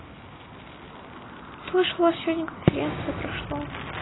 слышал у вас сегодня конференция прошла